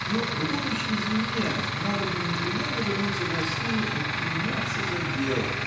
но к будущей зиме надобно непременно вернуться в Россию и приняться за дело".